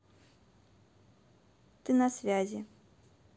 ты на связи